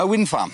Y windfarm.